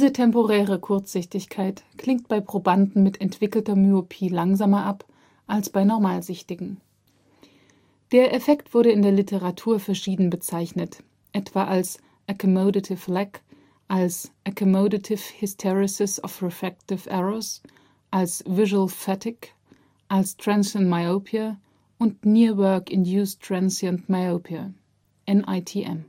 temporäre Kurzsichtigkeit klingt bei Probanden mit entwickelter Myopie langsamer ab als bei Normalsichtigen. Der Effekt wurde in der Literatur verschieden bezeichnet, etwa als „ accommodative lag “, als „ accommodative hysteresis of refractive errors “, als „ visual fatigue “, als „ transient myopia “und „ nearwork-induced transient myopia “(NITM). Er